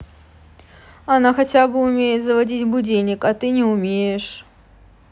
она хотя бы умеет заводить будильник а ты не умеешь